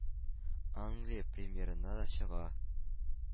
Англия премьерына да чыга,